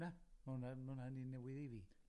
Na, ma' wnna'n ma' wnna'n un newydd i fi.